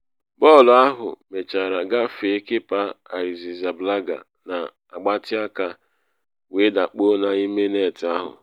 Bọọlụ ahụ mechara gafee Kepa Arrizabalaga na agbatị aka wee dakpuo n’ime net ahụ.